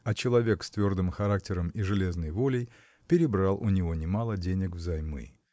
а человек с твердым характером и железной волей перебрал у него немало денег взаймы.